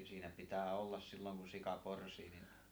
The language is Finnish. siinä pitää olla silloin kun sika porsii niin